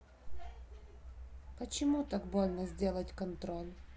почему так больно сделать контроль